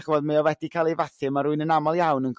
d'ch'mod mae o wedi cael 'i fathu a ma' rywun yn amal iawn yn